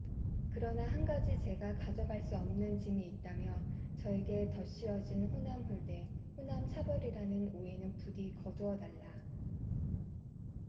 그러나 한 가지 제가 가져갈 수 없는 짐이 있다며 저에게 덧씌워진 호남홀대 호남차별이라는 오해는 부디 거두어 달라